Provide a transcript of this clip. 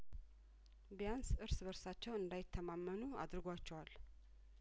ቢያንስ እርስ በርሳቸው እንዳይተማመኑ አድርጓቸዋል